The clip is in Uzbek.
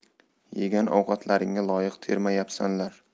yegan ovqatlaringga loyiq termayapsanlar